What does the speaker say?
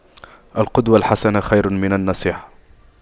القدوة الحسنة خير من النصيحة